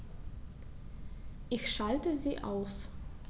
Ich schalte sie aus.